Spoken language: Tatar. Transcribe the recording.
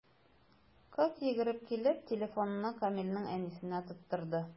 Кыз, йөгереп килеп, телефонны Камилнең әнисенә тоттырды.